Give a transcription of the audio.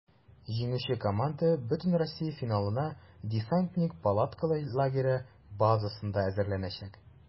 Җиңүче команда бөтенроссия финалына "Десантник" палаткалы лагере базасында әзерләнәчәк.